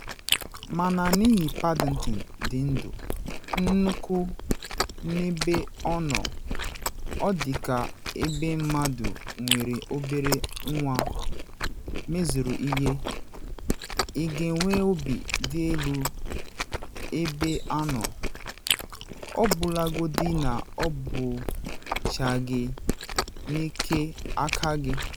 “Mana n’ihi Paddington dị ndụ nnukwu n’ebe ọ nọ, ọ dị ka ebe mmadụ nwere obere nwa mezuru ihe: ị ga-enwe obi dị elu ebe ha nọ ọbụlagodi na ọ bụchaghị n’ike aka gị.